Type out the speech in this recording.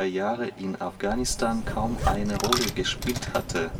Jahre in Afghanistan kaum eine Rolle gespielt hatte